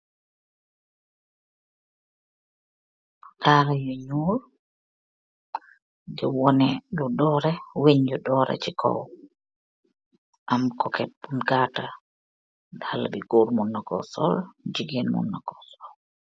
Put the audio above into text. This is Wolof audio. Dalaa bu nyeoul diwoneh wechin yuu dorreh ce kawaam, am kokeet yuu gataah, dalil bi goor monnako sol jigeen munako sol.